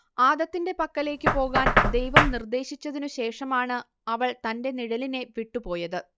ആദത്തിന്റെ പക്കലേയ്ക്കു പോകാൻ ദൈവം നിർദ്ദേശിച്ചതിനു ശേഷമാണ് അവൾ തന്റെ നിഴലിനെ വിട്ടുപോയത്